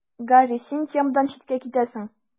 Гарри: Син темадан читкә китәсең.